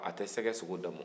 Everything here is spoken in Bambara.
a tɛ sɛgɛ sogo dun